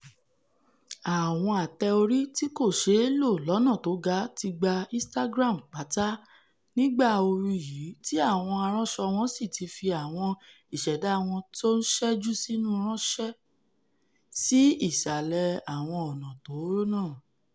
Àwọn ate-ori tí kòṣeé lò lọ́nà tóga ti gba Instagram pátá nígbà ooru yìí ti àwọn aránsọ wọ̀nyí sì ti fi àwọn ìṣẹ̀dá wọn tó ńṣẹ́jú síni ránṣẹ́ sí ìsàlẹ̀ àwọn ọ̀nà tóóró náa.